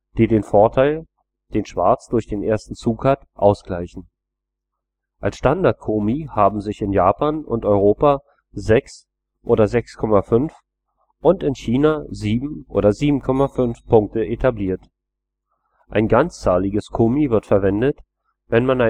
die den Vorteil, den Schwarz durch den ersten Zug hat, ausgleichen. Als Standard-Komi haben sich in Japan und Europa 6 oder 6,5 Punkte und in China 7 oder 7,5 Punkte etabliert. Nicht ganzzahliges Komi wird verwendet, wenn man